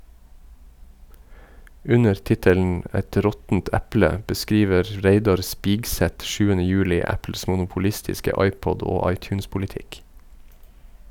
Under tittelen "Et råttent eple" beskriver Reidar Spigseth 7. juli Apples monopolistiske iPod- og iTunes-politikk.